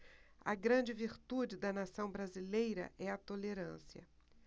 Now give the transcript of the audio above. a grande virtude da nação brasileira é a tolerância